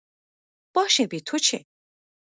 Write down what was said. باشه به تو چه؟